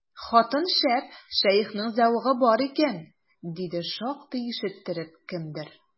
Хатын шәп, шәехнең зәвыгы бар икән, диде шактый ишеттереп кемдер.